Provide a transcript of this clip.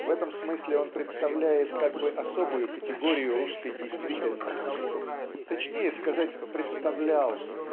В этом смысле он представляет как бы особую категорию русской действительности точнее сказать представлял